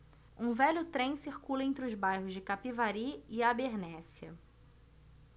um velho trem circula entre os bairros de capivari e abernéssia